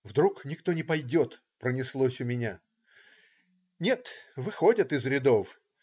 "Вдруг никто не пойдет?" - пронеслось у меня. Нет, выходят из рядов.